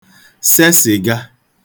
se sị̀ga [borrowed]